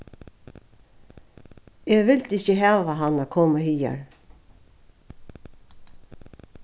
eg vildi ikki hava hann at koma higar